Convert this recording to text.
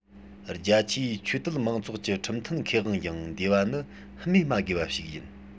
རྒྱ ཆེའི ཆོས དད མང ཚོགས ཀྱི ཁྲིམས མཐུན ཁེ དབང ཡང འདུས པ ནི སྨོས མ དགོས པ ཞིག ཡིན